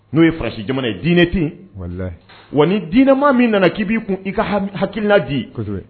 N'o ye farasi jamana ye dinɛ ten wa ni dinɛma min nana k'i b'i kun i ka hakilila di